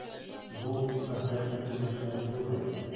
Бу хәсрәтле күз яшьләре түгел.